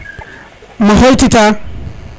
ma xooy tita